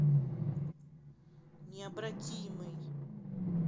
необратимый